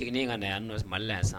in ka na yan nin nɔ Mali la yan sisan!